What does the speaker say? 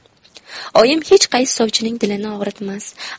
oyim hech qaysi sovchining dilini og'ritmas